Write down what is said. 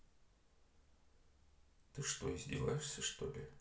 ты что издеваешься что ли